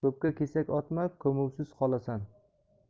ko'pga kesak otma ko'muvsiz qolasan